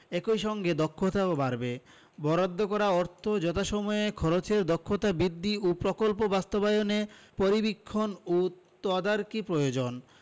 একই সঙ্গে দক্ষতাও বাড়বে বরাদ্দ করা অর্থ যথাসময়ে খরচের দক্ষতা বৃদ্ধি ও প্রকল্প বাস্তবায়নে পরিবীক্ষণ ও তদারকি প্রয়োজন